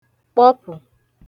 kpọpụ̀